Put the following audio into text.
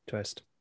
Twist.